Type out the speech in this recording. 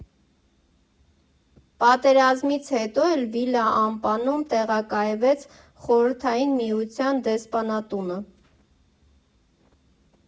Պատերազմից հետո էլ Վիլա Ամպանում տեղակայվեց Խորհրդային Միության դեսպանատունը։